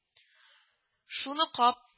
- шуны кап